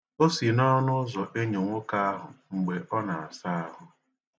O si n'ọnụụzo enyo nwoke ahụ enyo mgbe ọ na-asa ahụ.